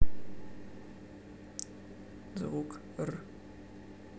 звук р